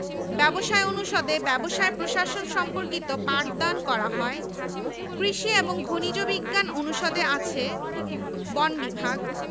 দুধরনের পেশাগত ডিপ্লোমা রয়েছে ডিপ্লোমা ইন কম্পিউটার অ্যাপ্লিকেশন এবং ডিপ্লোমা ইন কম্পিউটার নেটওয়ার্কিং নিয়মিত পাঠদান কর্মসূচির বাইরে